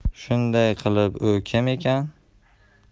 shunday qilib u kim ekan